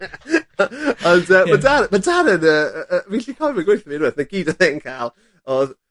ond yy... Ie. ...ma' dal ma' dal yn yy yy yy fi gallu cofio fe'n gweutho fi reit 'na gyd odd e'n ca'l odd